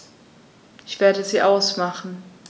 Ich werde sie ausmachen.